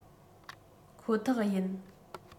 ཁོ ཐག ཡིན